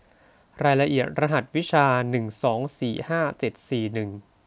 รายละเอียดรหัสวิชาหนึ่งสองสี่ห้าเจ็ดสี่หนึ่ง